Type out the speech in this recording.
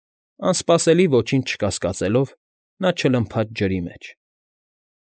Անսպասելի, ոչինչ չկասկածելով, նա չլմփաց ջրի մեջ։